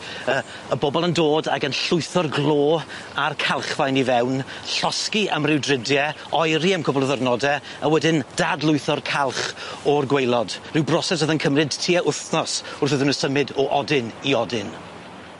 Yy y bobol yn dod ag yn llwytho'r glo a'r calchfaen i fewn, llosgi am ryw dridi, oeri am cwpwl o ddyrnode, a wedyn dadlwytho'r calch o'r gwaelod, ryw broses o'dd yn cymryd tua wthnos wrth iddyn nw symud o odyn i odyn.